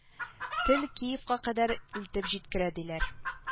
Тел киевка кадәр илтеп җиткерә диләр